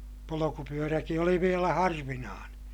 polkupyöräkin oli vielä harvinainen